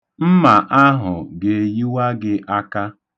Mma ahụ ga-eyiwa gị aka.